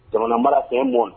Jamana mara c'est un monde